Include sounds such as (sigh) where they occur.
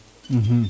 (hesitation) (hesitation)